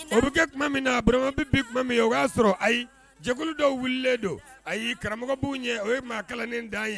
O bɛ kɛ tuma min na aman bɛ tuma min o y'a sɔrɔ ayi jɛkulu dɔw wulilalen don a ye karamɔgɔbu ye o ye maakanen' ye